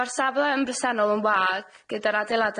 Ma'r safle yn bresennol yn wag gyda'r adeilade'r